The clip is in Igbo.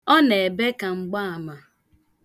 Ọ na-ebe ka mgbaama.